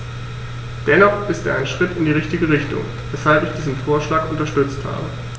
Dennoch ist er ein Schritt in die richtige Richtung, weshalb ich diesen Vorschlag unterstützt habe.